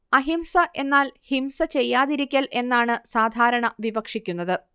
അഹിംസ എന്നാൽ ഹിംസ ചെയ്യാതിരിക്കൽ എന്നാണ് സാധാരണ വിവക്ഷിക്കുന്നത്